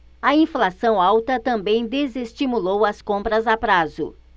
a inflação alta também desestimulou as compras a prazo